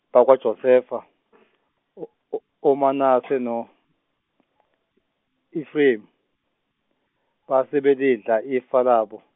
bakwaJosefa o- o- oManase noEfrim-, base belidla ifa labo.